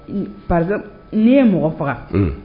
I par exemple ne ye mɔgɔ faga unhun